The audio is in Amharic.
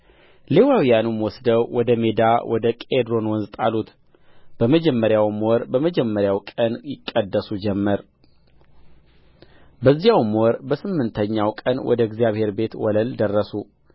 ሌዋውያንም ወስደው ወደ ሜዳ ወደ ቄድሮን ወንዝ ጣሉት በመጀመሪያውም ወር በመጀመሪያው ቀን ይቀደሱ ጀመር በዚያውም ወር በስምንተኛው ቀን ወደ እግዚአብሔር ቤት ወለል ደረሱ